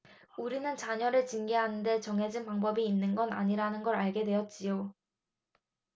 우리는 자녀를 징계하는 데 정해진 방법이 있는 건 아니라는 걸 알게 되었지요